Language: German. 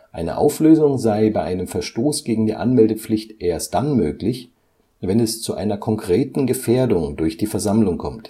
Eine Auflösung sei bei einem Verstoß gegen die Anmeldepflicht erst dann möglich, wenn es zu einer konkreten Gefährdung durch die Versammlung